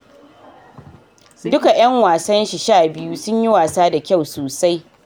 Duka yan wasan shi 12 sunyi wasa da kyau sosai.